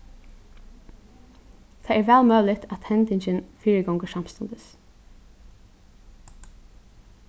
tað er væl møguligt at hendingin fyrigongur samstundis